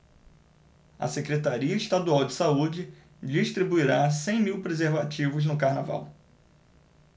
a secretaria estadual de saúde distribuirá cem mil preservativos no carnaval